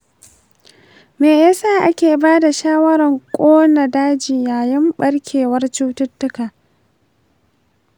me ya sa ake ba da shawarar ƙona daji yayin ɓarkewar cututtuka?